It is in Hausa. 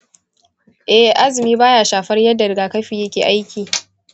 e, azumi baya shafar yadda rigakafi ke aiki.